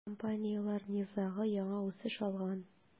Компанияләр низагы яңа үсеш алган.